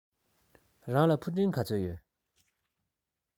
རང ལ ཕུ འདྲེན ག ཚོད ཡོད